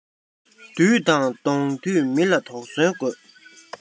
བདུད དང བསྡོངས དུས མི ལ དོགས ཟོན དགོས